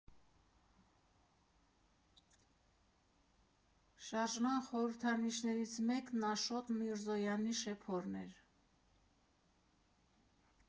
Շարժման խորհրդանիշներից մեկն Աշոտ Միրզոյանի շեփորն էր։